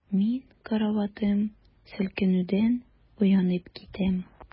Мин караватым селкенүдән уянып киттем.